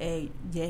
Ɛ diɲɛ